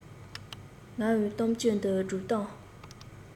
ངའི གཏམ རྒྱུད འདི སྒྲུང གཏམ